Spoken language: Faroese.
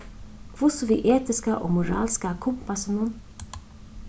hvussu við etiska og moralska kumpassinum